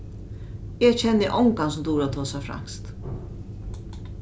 eg kenni ongan sum dugir at tosa franskt